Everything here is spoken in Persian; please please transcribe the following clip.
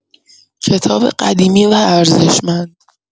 کتاب قدیمی و ارزشمند